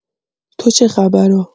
تو چه خبرا؟